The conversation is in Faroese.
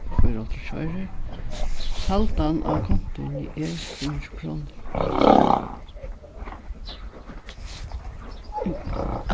og fýraoghálvtrýss oyrur saldan á kontuni er fimmogtjúgu krónur